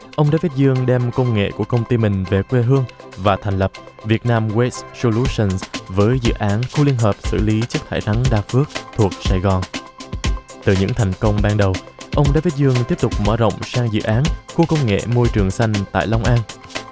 ông đa vít dương đem công nghệ của công ty mình về quê hương và thành lập việt nam guê sô lu sừn với dự án khu liên hợp xử lý chất thải rắn đa phước thuộc sài gòn từ những thành công ban đầu ông đa vít dương tiếp tục mở rộng sang dự án khu công nghệ môi trường xanh tại long an